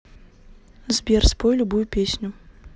сбер спой любую песню